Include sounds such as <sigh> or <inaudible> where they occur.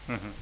<hesitation> <hesitation>